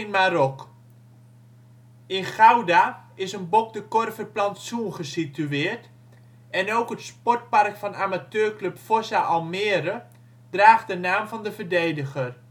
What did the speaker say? Maroc. In Gouda is een Bok de Korverplantsoen gesitueerd, en ook het sportpark van amateurclub Forza Almere draagt de naam van de verdediger